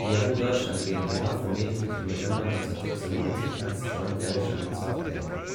Die Yahoo Deutschland GmbH formierte sich im November 1996 als Joint Venture mit Softbank (Ziff Davis).